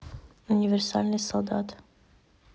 универсальный солдат